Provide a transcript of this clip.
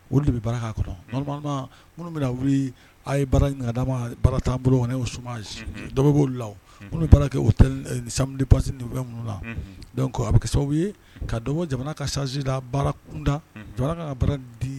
Olu de bɛ baara k'a kɔnɔ minnu wuli a ye baara baarata boloɛ o su dɔ bɛ b'o la baara kɛ o sa pasi minnu na a bɛ kɛ sababu ye ka don jamana ka sansi la baara kunda jɔ ka bara di